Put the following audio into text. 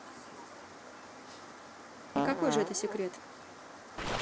и какой же это секрет